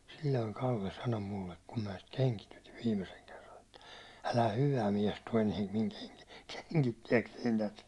silloin Kalle sanoi minulle kun minä sitä kengitin viimeisen kerran että älä hyvä mies tuo enää minun - kengittääkseni tätä